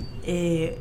Ee